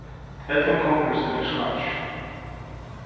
ella um kongurin stendur í skáki